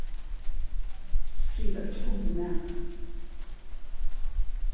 skriva ikki undir nakað